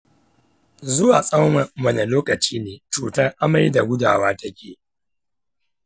zuwa tsawon wane lokaci ne cutar amai da gudawa take?